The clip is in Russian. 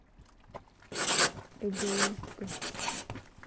эгоистка